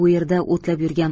bu yerida o'tlab yurgan